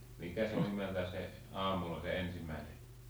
mikä se oli nimeltään se aamulla se ensimmäinen